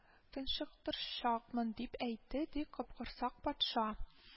Тончыктырчакмын, — дип әйтте, ди, капкорсак патша